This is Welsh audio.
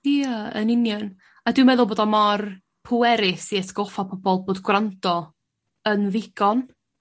Ia yn union a dwi meddwl bod o mor pwerus i atgoffa pobol bod gwrando yn ddigon.